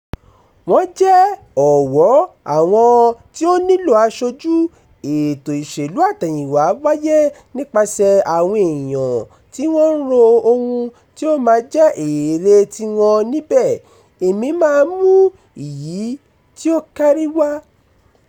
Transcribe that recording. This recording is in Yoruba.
Wọ́n jẹ́ ọ̀wọ́ àwọn tí ó nílò aṣojú. Ètò ìṣèlú àtẹ̀yìnwá wáyé nípasẹ̀ àwọn èèyàn tí wọ́n ń ro ohun tí ó máa jẹ́ èrèe tiwọn níbẹ̀, èmi máa mú iyì tí ó kárí wá.